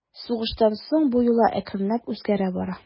Сугыштан соң бу йола әкренләп үзгәрә бара.